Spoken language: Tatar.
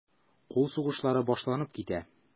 Кул сугышлары башланып китә.